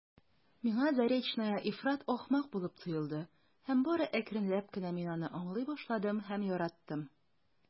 Миңа Заречная ифрат ахмак булып тоелды һәм бары әкренләп кенә мин аны аңлый башладым һәм яраттым.